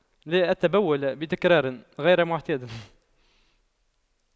لا أتبول بتكرار غير معتاد